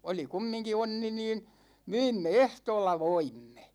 oli kumminkin onni niin myimme ehtoolla voimme